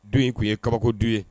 Don in tun ye kabako du ye